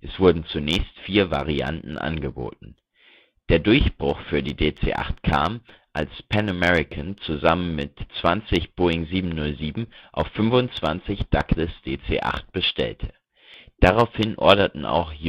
wurden zunächst vier Varianten angeboten. Der Durchbruch für die DC-8 kam, als Pan American zusammen mit 20 Boeing 707 auch 25 Douglas DC-8 bestellte. Daraufhin orderten auch